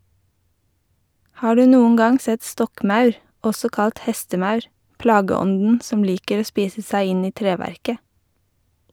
Har du noen gang sett stokkmaur, også kalt hestemaur, plageånden som liker å spise seg inn i treverket?